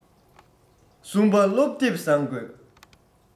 གསུམ པ སློབ དེབ བཟང དགོས